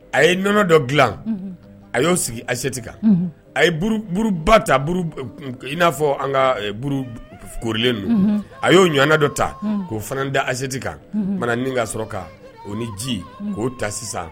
A ye nɔnɔ dɔ dilan, unhun, a y'o sigi assiette kan, a ye buuru buuruba ta buuru i n'a fɔ an ka buuru koorilen ninnu, unhun, a y'o ɲɔɔnna dɔ ta k'o fana da assiete kan tumana ni ka sɔrɔ ka o ni ji k'o ta sisan